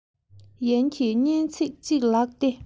ཡན གྱི སྙན ཚིག ཅིག ལགས ཏེ